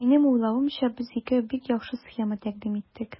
Минем уйлавымча, без икәү бик яхшы схема тәкъдим иттек.